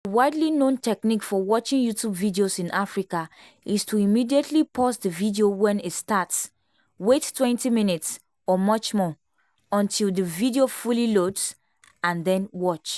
The widely known technique for watching YouTube videos in Africa is to immediately pause the video when it starts, wait 20 minutes (or much more) until the video fully loads, and then watch.